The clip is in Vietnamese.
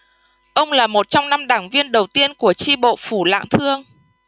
ông là một trong năm đảng viên đầu tiên của chi bộ phủ lạng thương